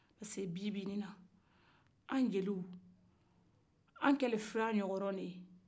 parce que bi-bi nin na an jeliw an kɛlen filɛ ɲɔgɔrɔn de ye